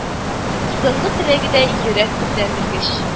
Соңгы теләге дә йөрәк тетрәндергеч